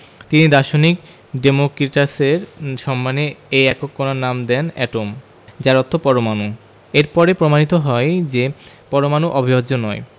তিনি দার্শনিক ডেমোক্রিটাসের সম্মানে এ একক কণার নাম দেন এটম যার অর্থ পরমাণু এর পরে প্রমাণিত হয় যে পরমাণু অবিভাজ্য নয়